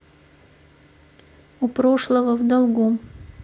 у прошлого в долгу